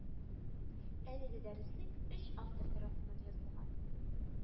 Әлеге дәреслек өч автор тарафыннан язылган